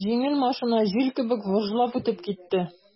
Җиңел машина җил кебек выжлап үтеп китте.